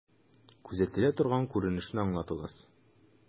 Күзәтелә торган күренешне аңлатыгыз.